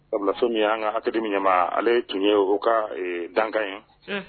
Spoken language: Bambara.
Sabulaso min an ka haki minba ale tun ye o ka dankan ye